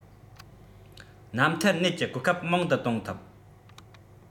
རྣམ ཐར ནད ཀྱི གོ སྐབས མང དུ གཏོང ཐུབ